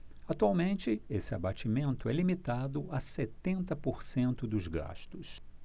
atualmente esse abatimento é limitado a setenta por cento dos gastos